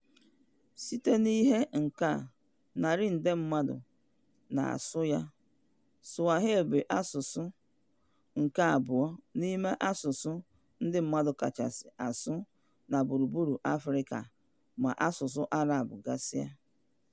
Site n'ihe dịka narị nde mmadụ na-asụ ya, Swahili bụ asụsụ nke abụọ n'ime asụsụ ndị mmadụ kachasị asụ na gburugburu Afrịka, ma asụsụ Arab gasịa.